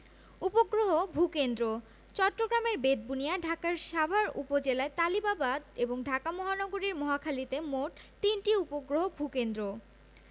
উপগ্রহ ভূ কেন্দ্রঃ চট্টগ্রামের বেতবুনিয়া ঢাকার সাভার উপজেলায় তালিবাবাদ এবং ঢাকা মহানগরীর মহাখালীতে মোট তিনটি উপগ্রহ ভূ কেন্দ্র